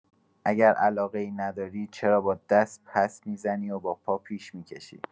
اگر علاقه‌ای نداری، چرا با دست پس می‌زنی و با پا پیش می‌کشی؟